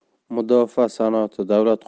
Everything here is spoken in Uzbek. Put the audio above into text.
mudofaa sanoati davlat